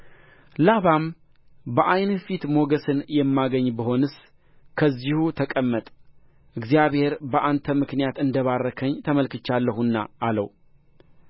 ላባም በዓይንህ ፊት ሞገስን የማገኝ ብሆንስ ከዚሁ ተቀመጥ እግዚአብሔር በአንተ ምክንያት እንደ ባረከኝ ተመልክቼአለሁና አለው